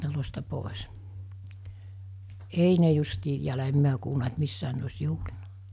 talosta pois ei ne justiin en minä kuullut että missään ne olisi juhlinut